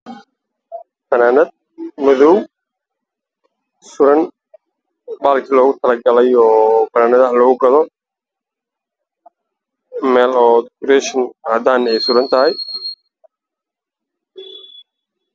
Waxaa taala meeshan funaanad madoow